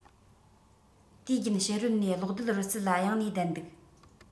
དུས རྒྱུན ཕྱི རོལ ནས གློག རྡུལ རོལ རྩེད ལ གཡེང ནས བསྡད འདུག